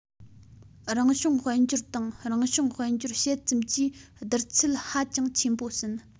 རང བྱུང དཔལ འབྱོར དང རང བྱུང དཔལ འབྱོར ཕྱེད ཙམ གྱིས བསྡུར ཚད ཧ ཅང ཆེན པོ ཟིན